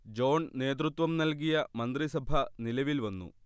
John നേതൃത്വം നൽകിയ മന്ത്രിസഭ നിലവിൽ വന്നു